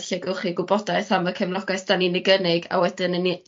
...lle gewch chi gwybodaeth am y cefnogaeth 'dan ni'n 'i gynnig a wedyn 'yn ni